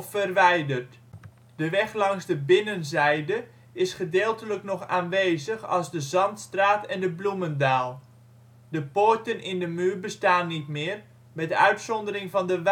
verwijderd. De weg langs de binnenzijde is gedeeltelijk nog aanwezig als de Zandstraat en de Bloemendaal. De poorten in de muur bestaan niet meer, met uitzondering van de